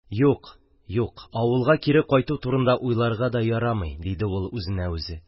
«юк, авылга кире кайту турында уйларга да ярамый! – диде ул үзенә-үзе